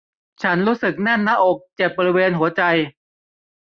ฉันรู้สึกแน่นหน้าอกเจ็บบริเวณหัวใจ